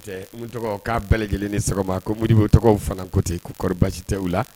Tɔgɔ k'a bɛɛ lajɛlen ni sɔgɔma ko moribu tɔgɔ fana ko ten yen kuɔribaji tɛ u la